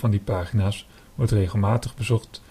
die pagina 's wordt regelmatig bezocht